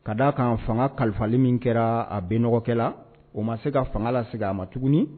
Ka d' a kan fanga kalifali min kɛra a binkɛla la o ma se ka fanga la segin a ma tuguni